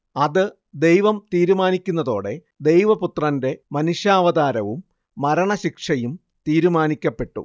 അത് ദൈവം തീരുമാനിക്കുന്നതോടെ ദൈവപുത്രന്റെ മനുഷ്യാവതാരവും മരണശിക്ഷയും തീരുമാനിക്കപ്പെട്ടു